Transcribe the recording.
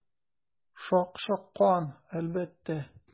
Шакшы кан, әлбәттә.